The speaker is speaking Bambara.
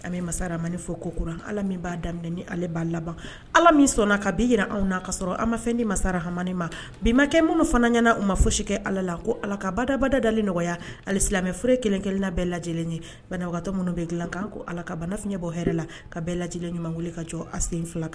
A bɛ masa fo ko ko ala min b' daminɛ ni ale b'a laban ala min sɔnna ka bin jira anw na kaa sɔrɔ a ma fɛn di masara hamani ma bibakɛ minnu fana ɲɛnaana u ma fɔ si kɛ ala la ko ala ka ba dabada dali nɔgɔya hali silamɛ fere kelen kelenna bɛɛ lajɛ lajɛlen ye banatɔ minnu bɛ dilan kan ko ala ka banaf fiɲɛɲɛ bɔ hɛrɛ la ka bɛɛ lajɛ ɲuman ka jɔ a sen fila kan